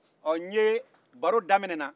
baro daminɛna